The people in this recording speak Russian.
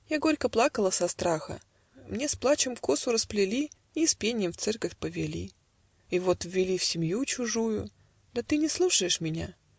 Я горько плакала со страха, Мне с плачем косу расплели Да с пеньем в церковь повели. И вот ввели в семью чужую. Да ты не слушаешь меня.